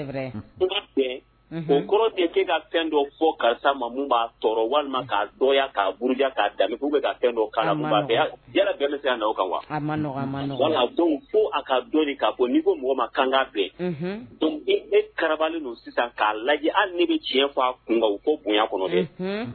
Kɔrɔ ka fɛn fo ka b'a walima k'auru k'a jara fo a ka don n'i ko mɔgɔ kankan ee kara sisan k'a lajɛ an bɛ tiɲɛ fɔ a kun ko bonya kɔnɔ